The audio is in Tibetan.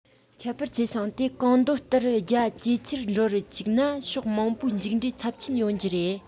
ཁྱད པར ཆེ ཞིང དེ གང འདོད ལྟར རྒྱ ཇེ ཆེར འགྲོ རུ བཅུག ན ཕྱོགས མང པོའི མཇུག འབྲས ཚབས ཆེན ཡོང རྒྱུ རེད